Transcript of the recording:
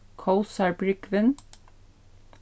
kósarbrúgvin